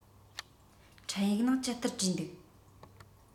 འཕྲིན ཡིག ནང ཅི ལྟར བྲིས འདུག